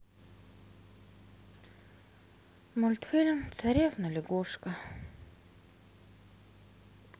мультфильм царевна лягушка